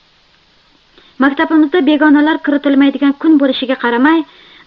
maktabimizda begonalar kiritilmaydigan kun bo'lishiga qaramay